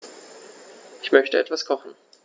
Ich möchte etwas kochen.